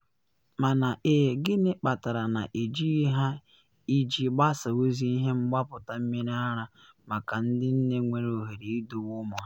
Mana ee gịnị kpatara na ejighi ha iji gbasaa ozi ihe mgbapụta mmiri ara maka ndị nne nwere ohere idowe ụmụ ha?”